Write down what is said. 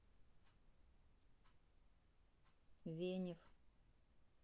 венев